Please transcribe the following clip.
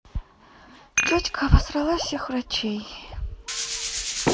тетька обосрала всех врачей